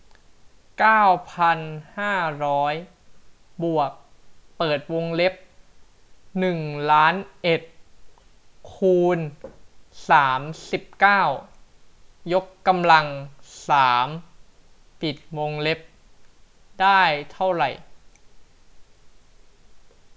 เก้าพันห้าร้อยบวกเปิดวงเล็บหนึ่งล้านเอ็ดคูณสามสิบเก้ายกกำลังสามปิดวงเล็บได้เท่าไร